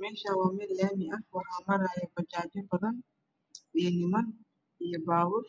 Meeshan waa meel laami ah waxaa marayo bajaajyo badan iyo miman iyo baabur